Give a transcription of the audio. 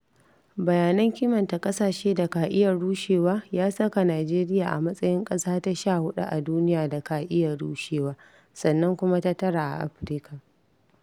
Bayanan kimanta ƙasashe da ka iya rushewa ya saka Nijeriya a matsayin ƙasa ta 14 a duniya da ka iya rushewa, sannan kuma ta tara a Afirka.